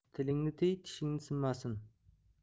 tilingni tiy tishing sinmasin